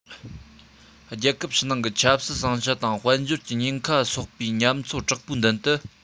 རྒྱལ ཁབ ཕྱི ནང གི ཆབ སྲིད ཟིང ཆ དང དཔལ འབྱོར གྱི ཉེན ཁ སོགས པའི ཉམས ཚོད དྲག པོའི མདུན དུ